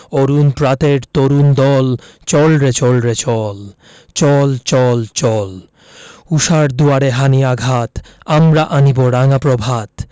অরুণ প্রাতের তরুণ দল চল রে চল রে চল চল চল চল ঊষার দুয়ারে হানি আঘাত আমরা আনিব রাঙা প্রভাত